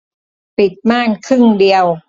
ปิดม่านครึ่งเดียว